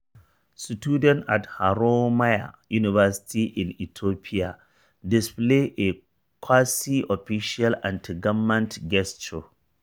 Students at Haromaya University in Ethiopia displaying a quasi-official anti-government gesture.